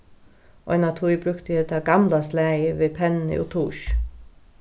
eina tíð brúkti eg tað gamla slagið við penni og tussj